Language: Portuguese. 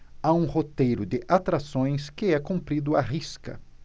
há um roteiro de atrações que é cumprido à risca